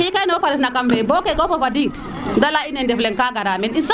ye kene fopa ref na kam fe bo keke fopa fadiid da leya ine ndef leng ka gara meen